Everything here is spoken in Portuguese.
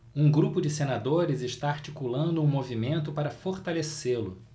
um grupo de senadores está articulando um movimento para fortalecê-lo